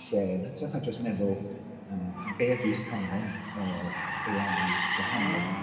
Lle, yn hytrach na jyst meddwl yy be ydy safon yr AIs gwahanol yma.